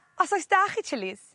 os oes 'da chi chilis